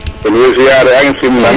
in way ziare ang sim nang